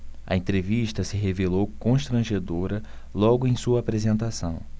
a entrevista se revelou constrangedora logo em sua apresentação